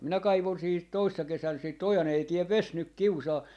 minä kaivoin siihen toissa kesänä sitten ojan ei tee vesi nyt kiusaa